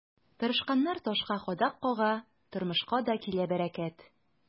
Тырышканнар ташка кадак кага, тормышка да килә бәрәкәт.